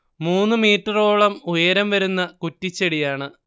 മൂന്നു മീറ്ററോളം ഉയരം വരുന്ന കുറ്റിച്ചെടിയാണ്